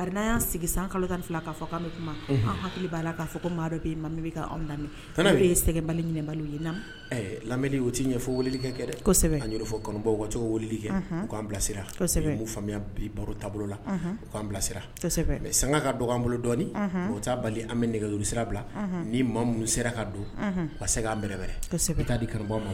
'ami sɛgɛ bali ɲini na lam o tɛ ɲɛfɔli kɛ dɛ sɛbɛn kafɔbaww ka cogoli kɛ k'an bilasira sɛbɛn' faamuya bi baro taabolo la u k'an bilasira san ka don anan bolo dɔɔnini taa bali an bɛ nɛgɛ sira bila ni ma mun sera ka don ka segin an bɛɛrɛ sɛbɛn taa dibaw